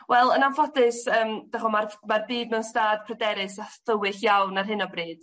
Wel yn anffodus yym d'ch'o' ma'r ma'r byd mewn stâd pryderus a thywyll iawn ar hyn o bryd.